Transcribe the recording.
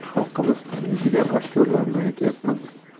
xalqimiz taniydigan aktyorlarni aytyapman